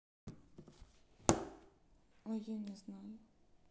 ой я не знаю